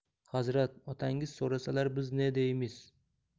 hazrat otangiz so'rasalar biz ne deymiz